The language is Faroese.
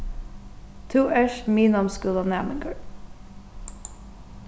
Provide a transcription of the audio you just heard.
tú ert miðnámsskúlanæmingur